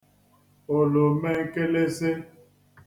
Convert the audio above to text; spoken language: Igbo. òlòmenkị̄lị̄sị̄